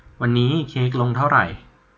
วันนี้เค้กลงเท่าไหร่